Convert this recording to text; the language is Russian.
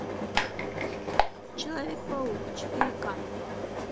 человек паук четыре ка